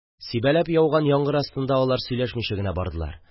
Сибәләп яуган яңгыр астында алар сөйләшмичә генә бардылар.